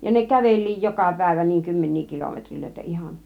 ja ne käveli joka päivä niin kymmeniä kilometrejä ihan